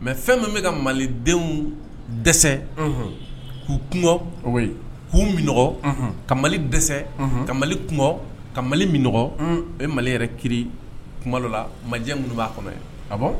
Mɛ fɛn min bɛ ka malidenw dɛsɛ k'u kungo k'u minɛnɔgɔ ka mali dɛsɛ ka mali kungo ka mali minnɔgɔ o ye mali yɛrɛ ki kuma dɔ la majɛ kun b'a kɔnɔ a bɔ